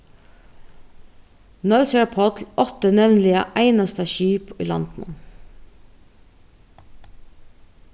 nólsoyar páll átti nevniliga einasta skip í landinum